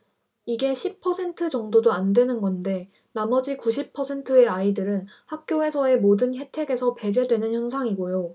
이게 십 퍼센트 정도도 안 되는 건데 나머지 구십 퍼센트의 아이들은 학교에서의 모든 혜택에서 배제되는 현상이고요